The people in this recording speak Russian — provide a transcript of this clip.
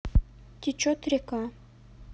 течет река